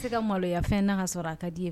K'e ka maloya fɛn na k'a sɔrɔ a ka d'i ye